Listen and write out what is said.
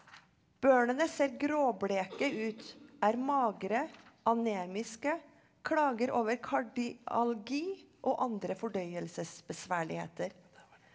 barnene ser gråbleke ut, er magre, anemiske, klager over kardialgi og andre fordøyelsesbesværligheter.